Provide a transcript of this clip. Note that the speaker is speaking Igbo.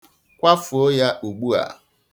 Kwafuo ya ugbua.